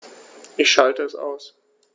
Ich schalte es aus.